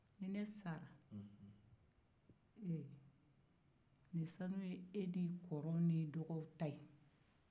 ni ne sara ɛɛ nin sanu ye e ni i kɔrɔw ni i dɔgɔw ta ye